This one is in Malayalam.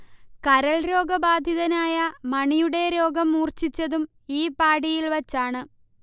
കരൾ രോഗബാധിതനായ മണിയുടെ രോഗം മൂർച്ഛിച്ചതും ഈ പാഡിയിൽ വച്ചാണ്